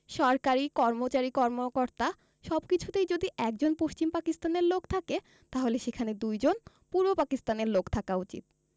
সরকারি কর্মচারী কর্মকর্তা সবকিছুতেই যদি একজন পশ্চিম পাকিস্তানের লোক থাকে তাহলে সেখানে দুইজন পূর্ব পাকিস্তানের লোক থাকা উচিত